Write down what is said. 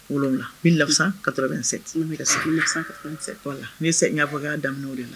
Wolowula n bɛ lafimisa kato bɛ n la ni se'a ɲɛfɔya daminɛ o de na